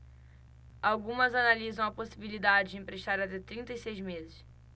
algumas analisam a possibilidade de emprestar até trinta e seis meses